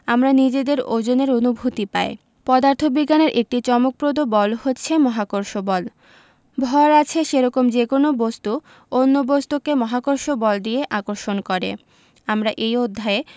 আমরা নিজেদের ওজনের অনুভূতি পাই পদার্থবিজ্ঞানের একটি চমকপ্রদ বল হচ্ছে মহাকর্ষ বল ভর আছে সেরকম যেকোনো বস্তু অন্য বস্তুকে মহাকর্ষ বল দিয়ে আকর্ষণ করে আমরা এই অধ্যায়ে